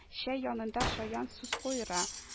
Чәй янында шаян сүз куера